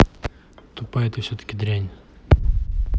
тупая ты все таки дрянь